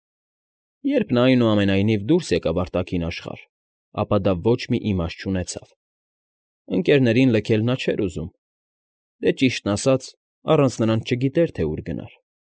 Երբ նա, այնուամենայնիվ, դուրս եկավ արտաքին աշխարհ, ապա դա ոչ մի իմաստ չունեցավ. ընկներներին լքել նա չէր ուզում, դե, ճիշտն ասած, առանց նրանց չգիտեր էլ, թե ուր գնար։